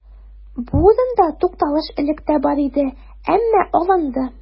Бу урында тукталыш элек тә бар иде, әмма алынды.